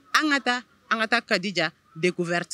An ka taa an ka taa ka dija deko wɛrɛti